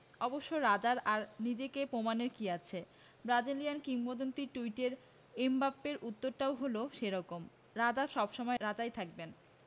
অবশ্য রাজার আর নিজেকে প্রমাণের কী আছে ব্রাজিলিয়ান কিংবদন্তির টুইটের এমবাপ্পের উত্তরটাও হলো সে রকম রাজা সব সময় রাজাই থাকবেন